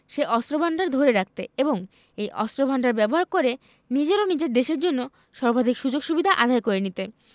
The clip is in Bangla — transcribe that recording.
সে অস্ত্রভান্ডার ধরে রাখতে এবং এই অস্ত্রভান্ডার ব্যবহার করে নিজের ও নিজের দেশের জন্য সর্বাধিক সুযোগ সুবিধা আদায় করে নিতে